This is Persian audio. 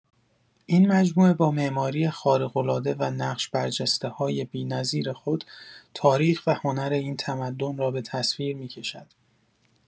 این مجموعه با معماری خارق‌العاده و نقش‌برجسته‌های بی‌نظیر خود، تاریخ و هنر این تمدن را به تصویر می‌کشد.